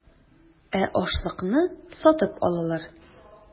Ә ашлыкны сатып алалар.